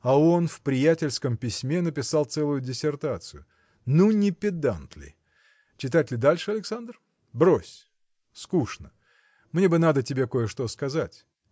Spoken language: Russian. – а он в приятельском письме написал целую диссертацию! ну, не педант ли? Читать ли дальше, Александр? брось: скучно. Мне бы надо тебе кое-что сказать.